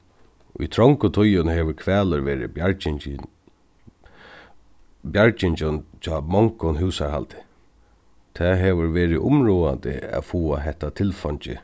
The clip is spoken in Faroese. í trongum tíðum hevur hvalur verið bjargingin bjargingin hjá mongum húsarhaldi tað hevur verið umráðandi at fáa hetta tilfeingi